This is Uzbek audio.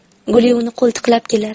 guli uni qo'ltiqlab kelar